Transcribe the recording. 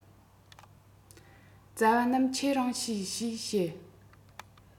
ཙ བ རྣམས ཁྱེད རང བྱོས ཞེས བཤད